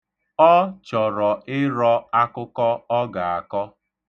Ọ chọrọ iro akụkọ ọ ga-akọ.